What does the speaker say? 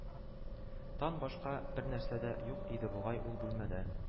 Тан башка бернәрсә дә юк иде бугай ул бүлмәдә